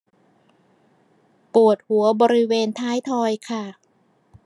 ปวดหัวบริเวณท้ายทอยค่ะ